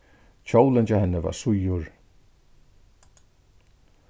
kjólin hjá henni var síður